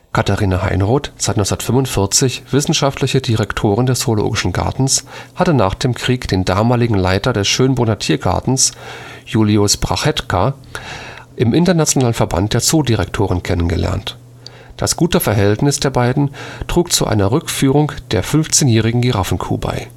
Katharina Heinroth, seit 1945 wissenschaftliche Direktorin des Zoologischen Gartens, hatte nach dem Krieg den damaligen Leiter des Schönbrunner Tiergartens, Julius Brachetka, im Internationalen Verband der Zoodirektoren kennengelernt. Das gute Verhältnis der beiden trug zu einer Rückführung der fünfzehnjährigen Giraffenkuh bei